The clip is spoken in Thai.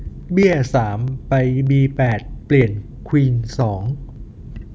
เบี้ยสามไปบีแปดเปลี่ยนควีนสอง